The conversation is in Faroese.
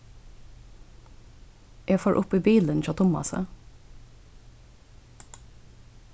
eg fór upp í bilin hjá tummasi